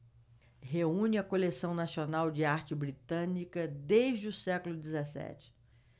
reúne a coleção nacional de arte britânica desde o século dezessete